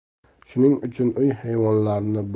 shuning uchun uy hayvonlarini